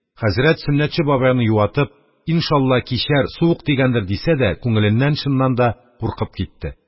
Хәзрәт, Сөннәтче бабайны юатып: «Иншалла, кичәр, суык тигәндер», – дисә дә, күңеленнән, чыннан да, куркып китте.